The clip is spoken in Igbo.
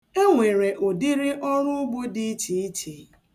E nwere ụdịrị ọruugbo dị iche iche.